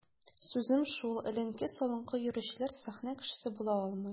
Сүзем шул: эленке-салынкы йөрүчеләр сәхнә кешесе була алмый.